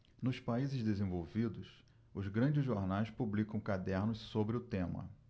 nos países desenvolvidos os grandes jornais publicam cadernos sobre o tema